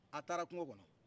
a taara kungo kɔnɔ